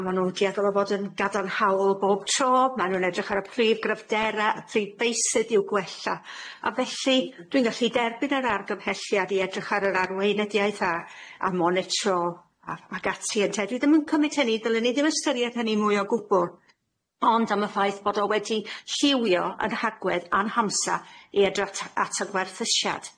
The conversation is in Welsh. a ma' n'w'n dueddol o fod yn gadarnhaol bob tro ma' n'w'n edrych ar y prif gryfdera, y prif feysydd i'w gwella a felly dwi'n gallu derbyn yr argymhelliad i edrych ar yr arweinyddiaeth a a monitro a ag ati ynte dwi ddim yn cymyd hynny ddylwn ni ddim ystyried hynny mwy o gwbwl ond am y ffaith bod o wedi lliwio yn hagwedd a'n hamsar i edrych at at y gwerthusiad.